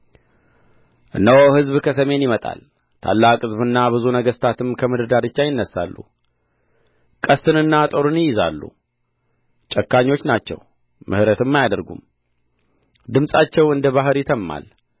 እነሆ ሕዝብ ከሰሜን ይመጣል ታላቅ ሕዝብና ብዙ ነገሥታትም ከምድር ዳርቻ ይነሣሉ ቀስትንና ጦርን ይይዛሉ ጨካኞች ናቸው ምሕረትም አያደርጉም ድምፃቸው እንደ ባሕር ይተምማል